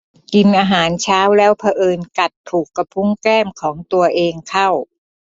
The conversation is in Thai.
กินอาหารเช้าแล้วเผอิญกัดถูกกระพุ้งแก้มของตัวเองเข้า